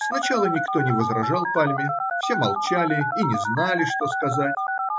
Сначала никто не возражал пальме: все молчали и не знали, что сказать.